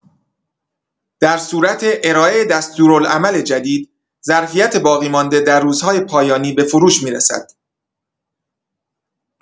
درصورت ارائه دستورالعمل جدید ظرفیت باقی‌مانده در روزهای پایانی به فروش می‌رسد.